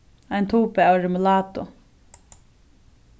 ein tuba av remulátu